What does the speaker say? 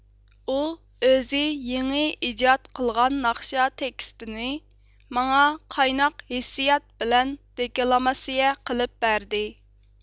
ئۇ ئۆزى يېڭى ئىجاد قىلغان ناخشا تېكستىنى ماڭا قايناق ھېسسىيات بىلەن دېكلاماتسىيە قىلىپ بەردى